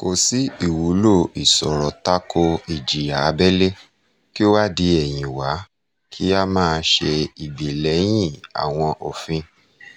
Kò sí ìwúlò ìsọ̀rọ̀ tako ìjìyà abẹ́lé kí ó wá di ẹ̀yìn wá kí a máa ṣe ìgbèlẹ́yìn àwọn òfin